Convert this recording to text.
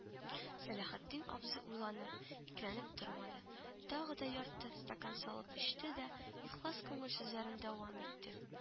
Сәләхетдин абзый уйланып, икеләнеп тормады, тагы да ярты стакан салып эчте дә, ихлас күңел сүзләрен дәвам итте: